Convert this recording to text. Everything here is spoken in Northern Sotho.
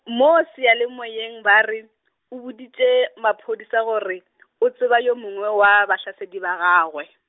mo seyalemoyeng ba re, o boditše maphodisa gore , o tseba yo mongwe wa bahlasedi ba gagwe.